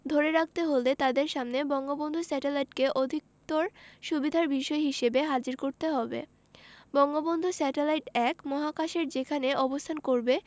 ধরে রাখতে হলে তাদের সামনে বঙ্গবন্ধু স্যাটেলাইটকে অধিকতর সুবিধার বিষয় হিসেবে হাজির করতে হবে বঙ্গবন্ধু স্যাটেলাইট ১ মহাকাশের যেখানে অবস্থান করবে